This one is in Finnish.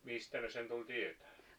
mistä ne sen tuli tietämään